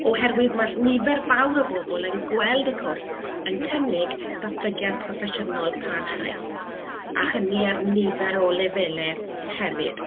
oherwydd ma' nifer fawr o bobl yn gweld y cwrs yn cynnig datblygiad proffesiynol parhaus, a hynny ar nifer o lefelau hefyd.